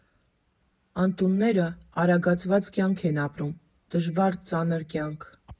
Անտունները արագացված կյանք են ապրում, դժվար, ծանր կյանք։